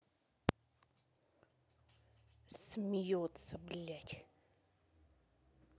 смеется блядь